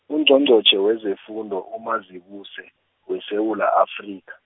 Ungqongqotjhe wezefundo uMazibuse, weSewula Afrika.